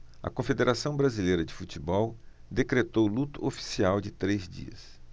a confederação brasileira de futebol decretou luto oficial de três dias